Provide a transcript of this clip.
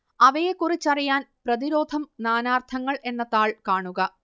അവയെക്കുറിച്ചറിയാൻ പ്രതിരോധം നാനാര്ത്ഥങ്ങൾ എന്ന താൾ കാണുക